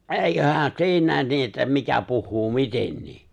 eiköhän siinäkin niin että mikä puhuu mitenkin